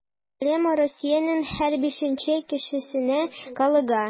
Проблема Россиянең һәр бишенче кешесенә кагыла.